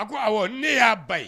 A ko aw, ne y'a ba ye.